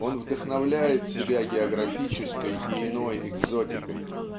он вдохновляет себя географической и иной экзотикой